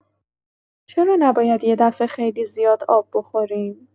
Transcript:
چرا نباید یه‌دفعه خیلی زیاد آب بخوریم؟